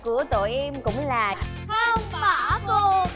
của đội em cũng là không